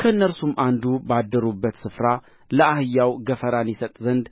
ከእነርሱም አንዱ ባደሩበት ስፍራ ለአህያው ገፈራን ይሰጥ ዘንድ